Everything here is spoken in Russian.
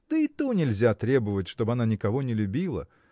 да и то нельзя требовать, чтоб она никого не любила.